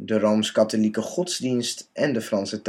rooms-katholieke godsdienst en de Franse